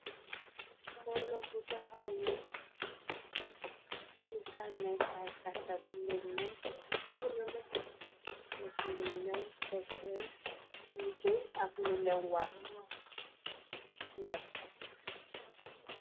Mboolo bu taxaw ni ci sànneka 4ata bi ñw tew seen liggéey ak lu leen war ni daf ko.